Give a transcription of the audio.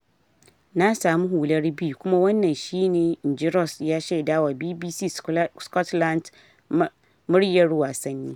Na samu hular B kuma wannan shi ne, "in ji Ross ya shaidawa BBC Scotland’s Muryarwasanni."